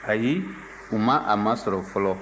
ayi u ma a masɔrɔ fɔlɔ